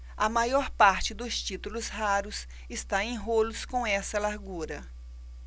a maior parte dos títulos raros está em rolos com essa largura